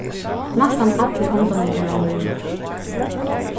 næstan allir hundarnir eru á lívi